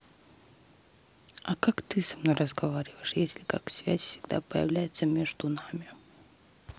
а как ты со мной разговариваешь если как связь всегда появляется между нами